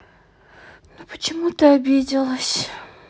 ну почему ты обиделась